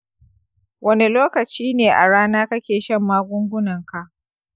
wane lokaci ne a rana kake shan magungunanka?